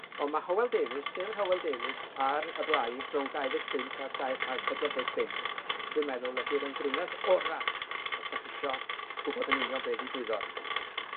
On' ma' Hywel Davis, llyfr Hywel Davis ar y blaid rhwng dau ddeg pump a dau a pedwar deg pump, dwi'n meddwl ydi'r ymdriniaeth ora' os 'dach chi isio gwbod yn union be' ddigwyddodd.